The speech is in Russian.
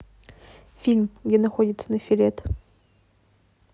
фильм где находится нофелет